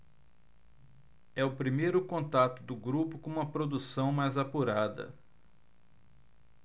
é o primeiro contato do grupo com uma produção mais apurada